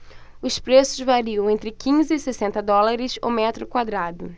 os preços variam entre quinze e sessenta dólares o metro quadrado